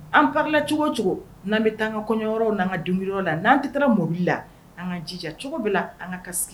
An karila cogo cogo n'an bɛ taa an ka kɔɲɔ n'an ka denyɔrɔ la n'an tɛ taara mobili la an ka jija cogo bɛ la an ka